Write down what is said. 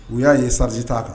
U y'a ye saraji t'a kan